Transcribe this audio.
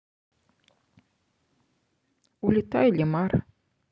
улетай лимар